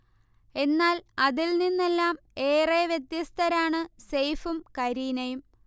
എന്നാൽ, അതിൽ നിന്നെല്ലാം ഏറെ വ്യത്യസ്തരാണ് സെയ്ഫും കരീനയും